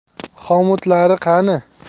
xomutlari qani